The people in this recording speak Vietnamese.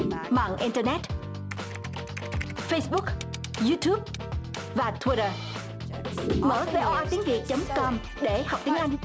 mạng in tơ nét phây búc diu túp và thôi đờ mở vê ô a tiếng việt chấm com để học tiếng anh